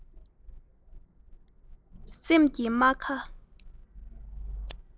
སེམས ཀྱི རྨ ཁ